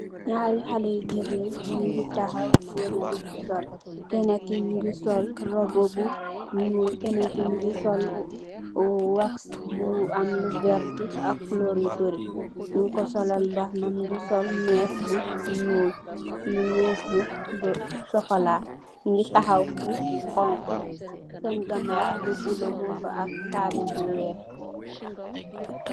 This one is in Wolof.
ngari hale yo gegen ngu gi tahaw di woneh lun sol. kenaki mu nge sol roba bu nglu, kena ki mu nge sol wax bu am lu verter ak kulrol yu bere ngu ko solal banaha. ngu ko solal merch bunglu bu am sokola ngu gi tahaw fu honhu senganow lu bulo mugfa ak table bu weye